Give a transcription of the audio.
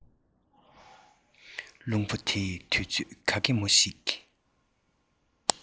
རླུང བུ དེས དུས ཚོད ག གེ མོ ཞིག